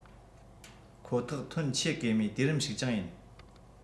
ཁོ ཐག ཐོན ཆེ གེ མོས དུས རིམ ཞིག ཀྱང ཡིན